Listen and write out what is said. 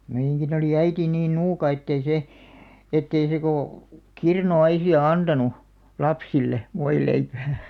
meidänkin oli äiti niin nuuka että ei se että ei se kuin kirnuaisia antanut lapsille voileipää